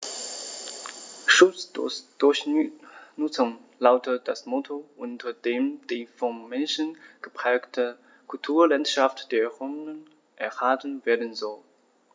„Schutz durch Nutzung“ lautet das Motto, unter dem die vom Menschen geprägte Kulturlandschaft der Rhön erhalten werden soll.